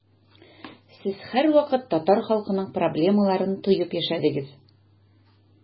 Сез һәрвакыт татар халкының проблемаларын тоеп яшәдегез.